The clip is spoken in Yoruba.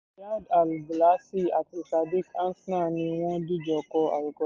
Riyadh Al Balushi àti Sadeek Hasna ni wọ́n dìjọ kọ àròkọ yìí.